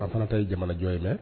Pari a fana ta ye jamanajɔ ye dɛ!